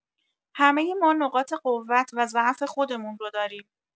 همۀ ما نقاط قوت و ضعف خودمون رو داریم.